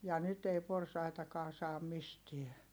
ja nyt ei porsaitakaan saa mistään